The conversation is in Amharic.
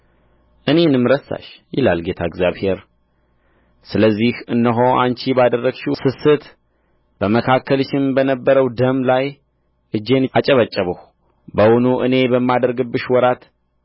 እኔንም ረሳሽኝ ይላል ጌታ እግዚአብሔር ስለዚህ እነሆ አንቺ ባደረግሽው ስስት በመካከልሽም በነበረው ደም ላይ እጄን አጨበጨብሁ በውኑ እኔ በማደርግብሽ ወራት